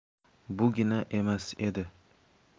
bugina emas edi